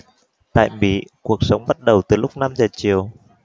tại mỹ cuộc sống bắt đầu từ lúc năm giờ chiều